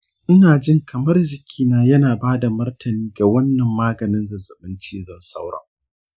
ina jin kamar jikina yana ba da martani ga wannan maganin zazzabin cizon sauro.